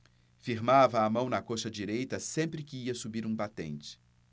firmava a mão na coxa direita sempre que ia subir um batente